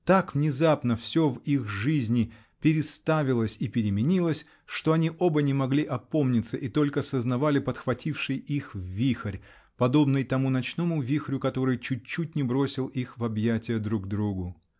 так внезапно все в их жизни переставилось и переменилось, что они оба не могли опомниться и только сознавали подхвативший их вихорь, подобный тому ночному вихрю, который чуть-чуть не бросил их в объятия друг другу.